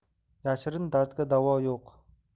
yashirin dardga davo yo'q